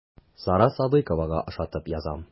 Сара Садыйковага ошатып язам.